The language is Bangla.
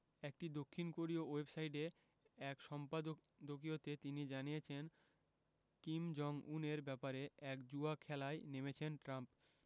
একটি দক্ষিণ কোরীয় ওয়েবসাইটে এক উপসম্পাদকীয়তে তিনি জানিয়েছেন কিম জং উনের ব্যাপারে এক জুয়া খেলায় নেমেছেন ট্রাম্প